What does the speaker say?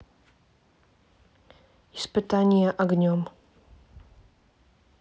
испытание огнем